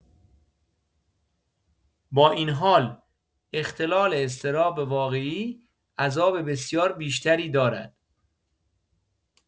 با این حال، اختلال اضطراب واقعی، عذاب بسیار بیشتری دارد.